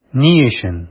Ни өчен?